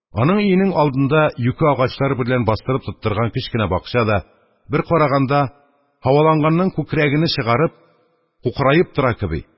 Аның өенең алдында, юкә агачлар берлән бастырып тоттырган кечкенә бакча да, бер караганда, һаваланганнан күкрәгене чыгарып, кукраеп тора кеби,